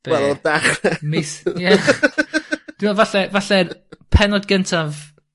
be? Wel o'r ddechre. Mis ie? t'mod falle falle'r pennod gyntaf